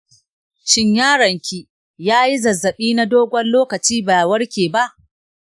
shin yaron ki yayi zazzaɓi na dogon lokaci ba warke ba?